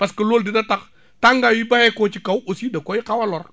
parce que loolu dina tax tàngaay wi bàyyeekoo ci kaw aussi da koy xaw a lor